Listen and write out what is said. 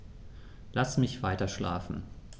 Lass mich weiterschlafen.